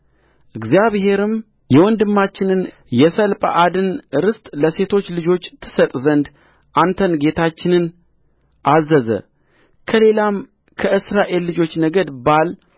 እግዚአብሔርም የወንድማችንን የሰለጰዓድን ርስት ለሴቶች ልጆቹ ትሰጥ ዘንድ አንተን ጌታችንን አዘዘከሌላም ከእስራኤል ልጆች ነገድ ባል